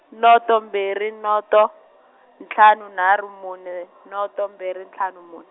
noto mbirhi noto, ntlhanu nharhu mune, noto mbirhi ntlhanu mun-.